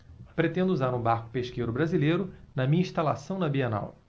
pretendo usar um barco pesqueiro brasileiro na minha instalação na bienal